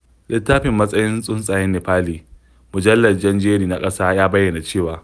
Littafin Matsayin Tsuntsayen Nepali: Mujalladan Jan Jeri Na ƙasa ya bayyana cewa: